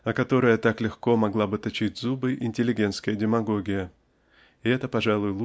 о которые так легко могла бы точить зубы интеллигентская демагогия и это пожалуй